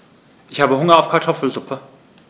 Ich habe Hunger auf Kartoffelsuppe.